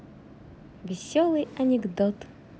веселый анекдот